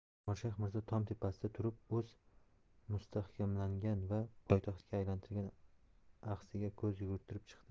umarshayx mirzo tom tepasida turib o'zi mustahkamlatgan va poytaxtga aylantirgan axsiga ko'z yugurtirib chiqdi